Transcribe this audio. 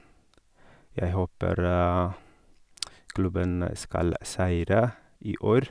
Jeg håper klubben skal seire i år.